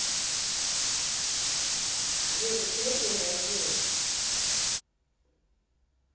джой почему ты не реагируешь